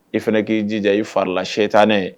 I fana k'i jija i fari la se tan ne ye